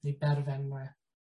Ne' berfenwe?